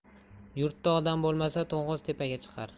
yurtda odam bo'lmasa to'ng'iz tepaga chiqar